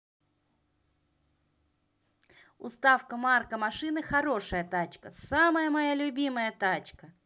уставка марка машины хорошая тачка самая моя любимая тачка